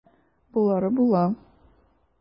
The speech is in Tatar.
Болары була.